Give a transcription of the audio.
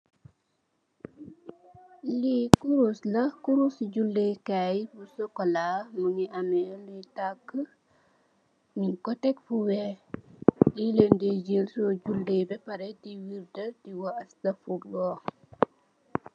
Li kuus la kuusi julekay bu sokola mugii ameh lu taak ñing ko tèk fu wèèx. Li Len dèè jél so jullee ba paré di wirda di wax astaxfirrula.